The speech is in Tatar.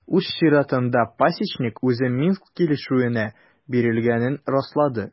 Үз чиратында Пасечник үзе Минск килешүенә бирелгәнлеген раслады.